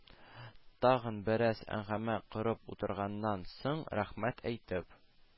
Тагын бераз әңгәмә корып утырганнан соң, рәхмәт әйтеп